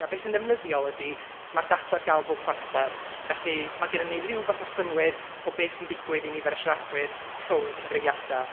a be sy'n ddefnyddiol ydy, ma'r data ar gael pob chwarter, felly ma' gennyn ni ryw fath o synnwyr o be sy'n digwydd i nifer y siaradwyr rhwng cyfrifiadau.